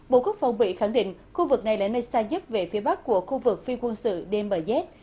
bộ quốc phòng mỹ khẳng định khu vực này là nơi xa nhất về phía bắc của khu vực phi quân sự đê mờ dét